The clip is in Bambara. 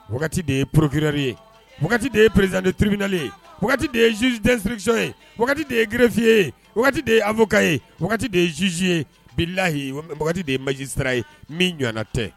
Wagati de ye pokiriere ye de ye perezte tiribiinalen wagati de ye zzdsiriricye de ye gefiye ye de ye abuka ye de yezsie ye bilahiyi wagati de ye masi sira ye min ɲɔgɔnna tɛ